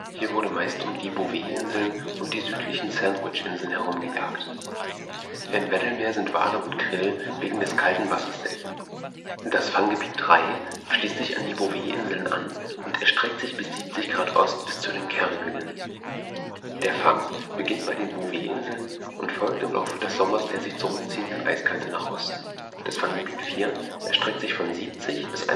Hier wurde meist um die Bouvetinsel und die südlichen Sandwich-Inseln herum gejagt. Im Weddel-Meer sind Wale und Krill wegen des kalten Wassers selten. Das Fanggebiet III schließt sich an die Bouvetinseln an und erstreckt sich bis 70° Ost bis zu den Kerguelen. Der Fang beginnt bei den Bouvetinseln und folgt im Laufe des Sommers der sich zurückziehenden Eiskante nach Osten bis in die Gegend von Enderby-Land. Das Fanggebiet IV erstreckt sich von 70° bis 130°